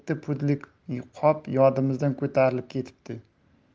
yetti pudlik qop yodimizdan ko'tarilib ketibdi